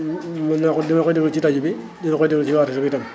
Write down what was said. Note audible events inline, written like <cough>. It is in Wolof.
<hesitation> mën naa ko dinaa koy déglu si rajo bi dinaa koy déglu si waa RESOP itam